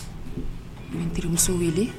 N bɛ n terimuso wele